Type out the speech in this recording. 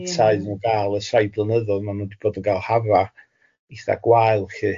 Gynta iddyn nhw gael ers rhai blynydda, ma' nhw wedi bod yn cael hafa eitha gwael lly.